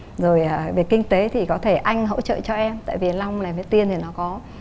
rồi à về kinh tế thì có thể anh hỗ trợ cho em tại vì long làm với tiên thì nó có